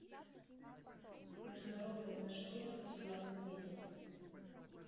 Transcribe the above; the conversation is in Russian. международные отношения в восемнадцатом веке